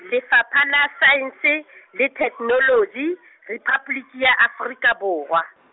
Lefapha la Saense le Theknoloji Rephaboliki ya Afrika Borwa .